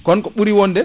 kon ko ɓuuri wonde